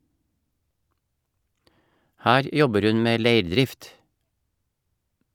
Her jobber hun med leirdrift.